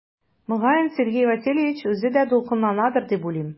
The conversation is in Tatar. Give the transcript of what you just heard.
Мөгаен Сергей Васильевич үзе дә дулкынланадыр дип уйлыйм.